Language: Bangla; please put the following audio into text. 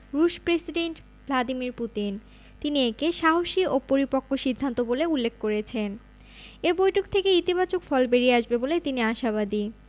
রুশ প্রেসিডেন্ট ভ্লাদিমির পুতিন তিনি একে সাহসী ও পরিপক্ব সিদ্ধান্ত বলে উল্লেখ করেছেন এ বৈঠক থেকে ইতিবাচক ফল বেরিয়ে আসবে বলে তিনি আশাবাদী